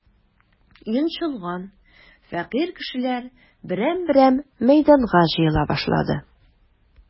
Йончылган, фәкыйрь кешеләр берәм-берәм мәйданга җыела башлады.